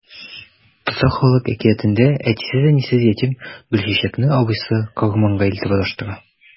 Татар халык әкиятендә әтисез-әнисез ятим Гөлчәчәкне абыйсы карурманга илтеп адаштыра.